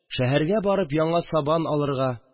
Шәһәргә барып яңа сабан алырга